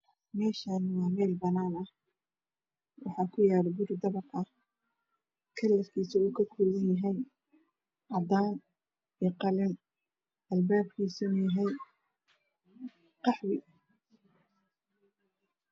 Meeshaani waa meel banaan ah waxaa kuyaal guri dabaq ah, kalarkiisuna uu ka kooban yahay cadaan iyo khalin Albaabkiisuna yahay qaxwi.